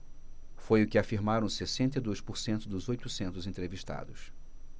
foi o que afirmaram sessenta e dois por cento dos oitocentos entrevistados